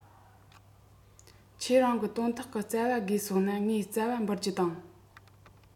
ཁྱེད རང གི སྟོན ཐོག གི ཙ བ དགོས གསུངས ན ངས ཙ བ འབུལ རྒྱུ དང